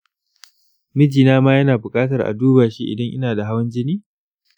mijina ma yana bukatar a duba shi idan ina da hawan jini?